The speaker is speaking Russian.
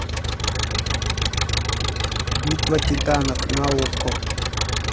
битва титанов на окко